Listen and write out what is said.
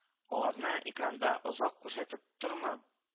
Аларны экранда озак күрсәтеп торма